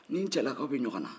n ni cɛlakaw bɛɛ ɲɔgɔn na